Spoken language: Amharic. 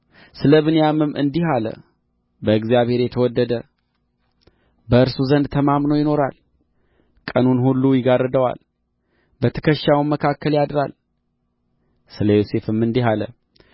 ስለ ብንያምም እንዲህ አለ በእግዚአብሔር የተወደደ በእርሱ ዘንድ ተማምኖ ይኖራል ቀኑን ሁሉ ይጋርደዋል በትከሻውም መካከል ያድራል ስለ ዮሴፍም እንዲህ አለ